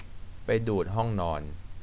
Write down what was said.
ไปดููดห้องนอน